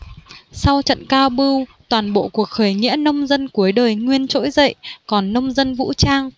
sau trận cao bưu toàn bộ cuộc khởi nghĩa nông dân cuối đời nguyên trỗi dậy còn nông dân vũ trang